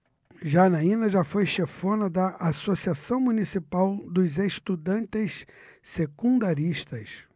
janaina foi chefona da ames associação municipal dos estudantes secundaristas